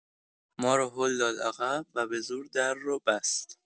مارو هول داد عقب و به‌زور در رو بست.